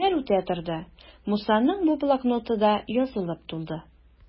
Көннәр үтә торды, Мусаның бу блокноты да язылып тулды.